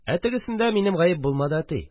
Ә тегесендә минем гаеп булмады, әти